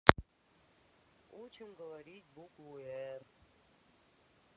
учим говорить букву р